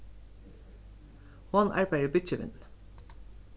hon arbeiðir í byggivinnuni